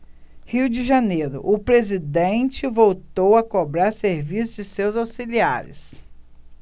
rio de janeiro o presidente voltou a cobrar serviço de seus auxiliares